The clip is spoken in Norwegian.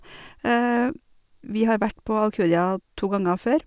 Vi har vært på Alcudia to ganger før.